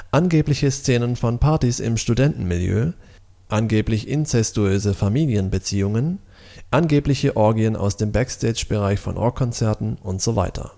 angebliche Szenen von Partys im Studentenmilieu; angeblich inzestuöse Familienbeziehungen; angebliche Orgien aus dem Backstage-Bereich von Rockkonzerten usw.